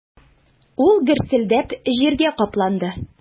Ул гөрселдәп җиргә капланды.